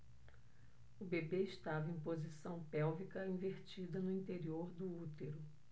o bebê estava em posição pélvica invertida no interior do útero